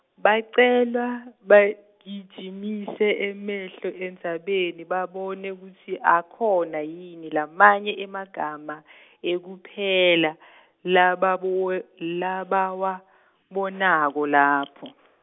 Bacelwa bagijimise emehlo endzabeni babone kutsi akhona yini lamanye emagama , ekupela , labawa- labawabonako lapho.